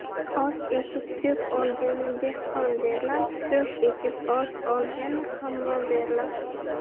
oz ekib ko'p olganni dehqon derlar ko'p ekib oz olganni hammol derlar